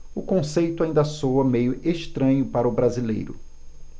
o conceito ainda soa meio estranho para o brasileiro